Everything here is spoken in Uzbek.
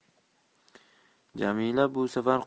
jamila bu safar